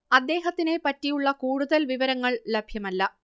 അദ്ദേഹത്തിനെ പറ്റിയുള്ള കൂടുതൽ വിവരങ്ങൾ ലഭ്യമല്ല